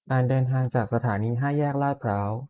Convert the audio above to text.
การเดินทางจากสถานีห้าแยกลาดพร้าว